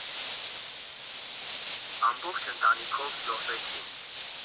Ամբողջ ընտանիքով զոհվեցին։